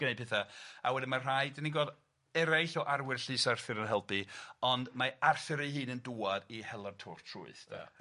gneud petha a wedyn ma' rhai 'dyn ni'n gweld eraill o arwyr llys Arthur yn helpu ond mae Arthur ei hun yn dŵad i hela'r twrch trwyth de.